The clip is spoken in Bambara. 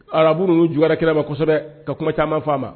Arabu ninnu'u juwa kira ma kosɛbɛ ka kuma caman fa ma